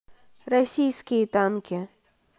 российские танки